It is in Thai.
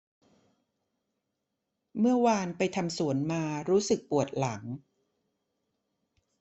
เมื่อวานไปทำสวนมารู้สึกปวดหลัง